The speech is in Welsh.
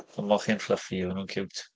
Y mochyn fluffy, oedden nhw'n ciwt.